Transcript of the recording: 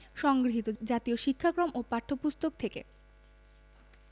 সংগৃহীত জাতীয় শিক্ষাক্রম ও পাঠ্যপুস্তক থেকে